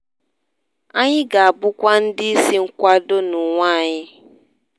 Anyị ga-abụkwa ndị isi nkwado n'onwe anyị.